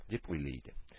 Дип уйлый иде